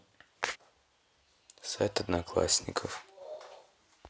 сайт одноклассников